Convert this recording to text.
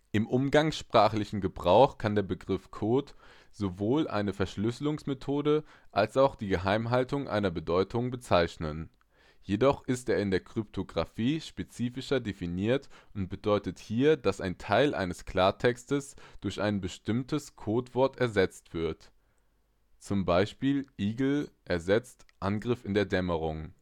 Im umgangssprachlichen Gebrauch kann der Begriff Code sowohl eine Verschlüsselungsmethode als auch die Geheimhaltung einer Bedeutung bezeichnen. Jedoch ist er in der Kryptographie spezifischer definiert und bedeutet hier, dass ein Teil eines Klartextes durch ein bestimmtes Codewort ersetzt wird (Beispiel: Igel ersetzt Angriff in der Dämmerung